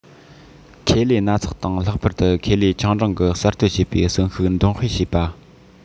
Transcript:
ཁེ ལས སྣ ཚོགས དང ལྷག པར དུ ཁེ ལས ཆུང འབྲིང གི གསར གཏོད བྱེད པའི གསོན ཤུགས འདོན སྤེལ བྱེད པ